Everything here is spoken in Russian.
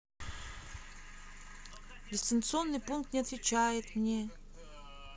дистанционный пульт не отвечает мне